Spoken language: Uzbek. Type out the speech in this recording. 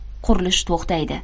qurilish to'xtaydi